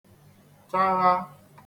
chagha